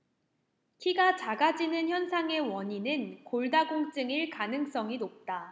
키가 작아지는 현상의 원인은 골다공증일 가능성이 높다